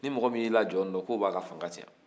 ni mɔgɔ min y'a da jɔ in la k'o b'a ka fanga tiɲɛ